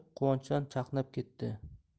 quvonchdan chaqnab ketdi